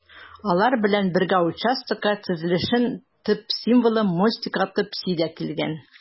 Алар белән бергә участокта төзелешнең төп символы - Мостик атлы песи дә килгән.